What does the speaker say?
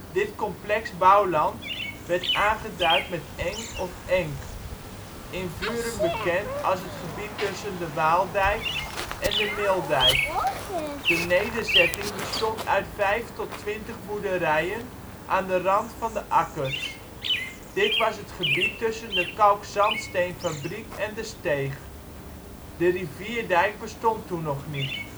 Dit complex bouwland werd aangeduid met ' eng ' of ' enk ', in Vuren bekend als het gebied tussen de Waaldijk en de Mildijk. De nederzetting bestond uit 5 tot 20 boerderijen aan de rand van de akkers. Dit was het gebied tussen de kalkzandsteenfabriek en de Steeg. De rivierdijk bestond toen nog niet